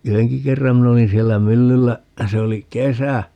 yhdenkin kerran minä olin siellä myllyllä se oli kesä